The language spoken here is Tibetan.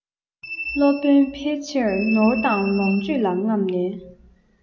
སློབ དཔོན ཕལ ཆེར ནོར དང ལོངས སྤྱོད ལ རྔམ ནས